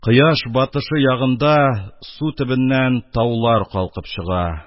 Кояш батышы ягында су төбеннән таулар калкып чыга.